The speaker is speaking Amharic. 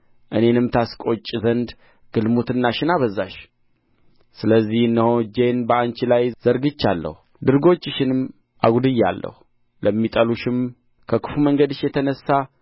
እኔንም ታስቈጭ ዘንድ ግልሙትናሽን አበዛሽ ስለዚህ እነሆ እጄን በአንቺ ላይ ዘርግቻለሁ ድርጐሽንም አጕድያለሁ ለሚጠሉሽም ከክፉ መንገድሽ የተነሣ